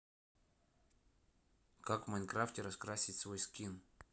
как в майнкрафте раскрасить свой скин